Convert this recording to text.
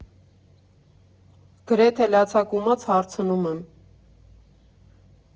Գրեթե լացակումած հարցնում եմ.